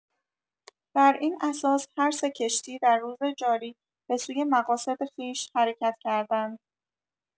بر این اساس هر سه کشتی در روز جاری بسوی مقاصد خویش حرکت کردند.